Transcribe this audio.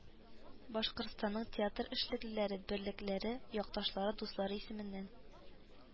Башкортстанның театр эшлеклеләре берлекләре, якташлары, дуслары исеменнән